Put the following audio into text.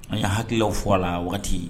An ye hakili fɔ a la waati